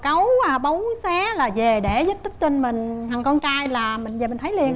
cấu à bấu xé là về để vết tích trên mình thằng con trai là mình về mình thấy liền à